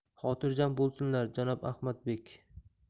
xotirjam bo'lsinlar janob ahmadbek